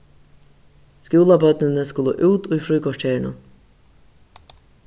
skúlabørnini skulu út í fríkorterinum